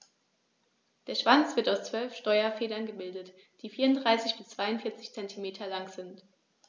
Der Schwanz wird aus 12 Steuerfedern gebildet, die 34 bis 42 cm lang sind.